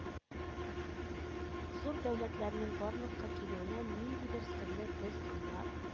Зур дәүләтләрнең барлыкка килүенә ниндидер серле, без аңлап